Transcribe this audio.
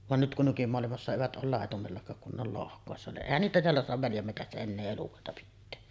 vaan nyt kun nykymaailmassa evät ole laitumellakaan kun ne on lohkoissa niin eihän niitä täällä saata väljänmetsässä enää elukoita pitää